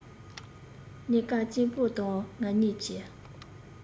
གླེང སྐབས གཅེན པོ དང ང གཉིས ཀྱིས